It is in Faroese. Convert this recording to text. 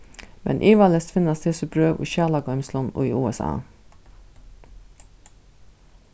men ivaleyst finnast hesi brøv í skjalagoymslum í usa